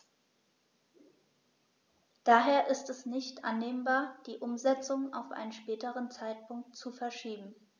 Daher ist es nicht annehmbar, die Umsetzung auf einen späteren Zeitpunkt zu verschieben.